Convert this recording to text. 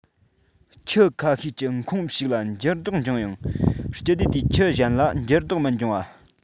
ཁྱུ ཁ ཤས ཀྱི ཁོངས ཞུགས ལ འགྱུར ལྡོག འབྱུང ཡང སྤྱི སྡེ དེའི ཁྱུ གཞན ལ འགྱུར ལྡོག མི འབྱུང བ